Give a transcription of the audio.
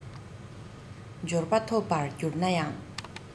འབྱོར པ ཐོབ པར གྱུར ན ཡང